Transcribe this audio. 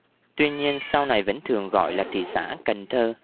tuy nhiên sau này vẫn thường gọi là thị xã cần thơ